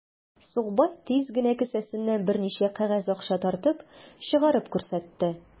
Сукбай тиз генә кесәсеннән берничә кәгазь акча тартып чыгарып күрсәтте.